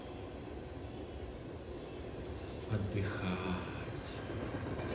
отдыхать